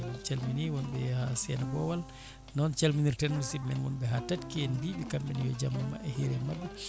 en calmini wonɓe ha Seno Bowal noon caminirten musibɓe men wonɓe ha Takky en mbiɓe kamɓene yo jaam hiire mabɓe